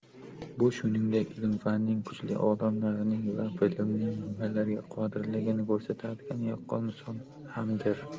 bu shuningdek ilm fanning kuchini olimlarning va bilimning nimalarga qodirligini ko'rsatadigan yaqqol misol hamdir